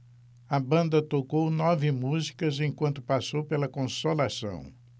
a banda tocou nove músicas enquanto passou pela consolação